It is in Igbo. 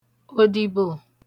òdìbò